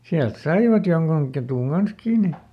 sieltä saivat jonkun ketun kanssa kiinni